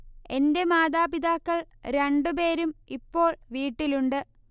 എന്റെ മാതാപിതാക്കൾ രണ്ടുപേരും ഇപ്പോൾ വീട്ടിലുണ്ട്